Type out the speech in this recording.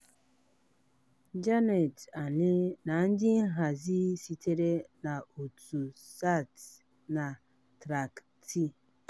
Jannat Ali na ndị nhazi sitere na òtù Sathi na Track-T.